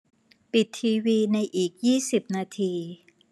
ปิดทีวีในอีกยี่สิบนาที